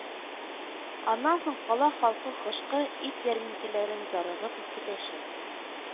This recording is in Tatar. Аннан соң кала халкы кышкы ит ярминкәләрен зарыгып көтәчәк